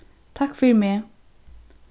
takk fyri meg